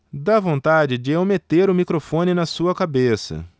dá vontade de eu meter o microfone na sua cabeça